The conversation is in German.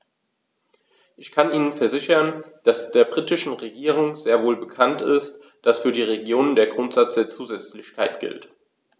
Ich kann Ihnen versichern, dass der britischen Regierung sehr wohl bekannt ist, dass für die Regionen der Grundsatz der Zusätzlichkeit gilt.